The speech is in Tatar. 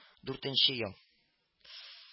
Дүртенче ел